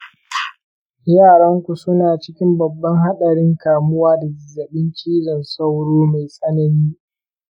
yaranku suna cikin babban haɗarin kamuwa da zazzabin cizon sauro mai tsanani.